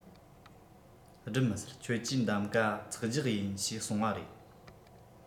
སྒྲུབ མི སྲིད ཁྱོད ཀྱིས གདམ ག འཚག རྒྱག ཡིན ཞེས གསུངས པ རེད